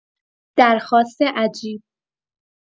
درخواست عجیب